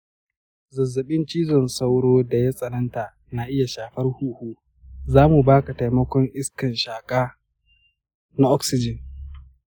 zazzabin ciwon sauron daya tsananta na iya shafar huhu; za mu baka taimakon iskan shaka na oxygen.